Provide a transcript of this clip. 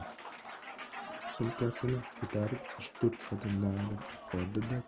sumkasini ko'tarib uch to'rt qadam nari bordi da